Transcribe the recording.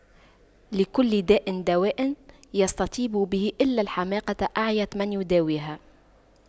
لكل داء دواء يستطب به إلا الحماقة أعيت من يداويها